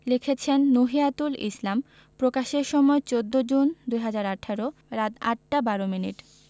লিখেছেন নুহিয়াতুল ইসলাম প্রকাশের সময় ১৪জুন ২০১৮ রাত ৮টা ১২ মিনিট